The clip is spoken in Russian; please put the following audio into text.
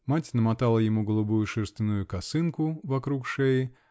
мать намотала ему голубую шерстяную косынку вокруг шеи